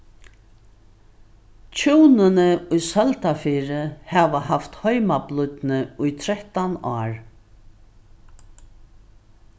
hjúnini í søldarfirði hava havt heimablídni í trettan ár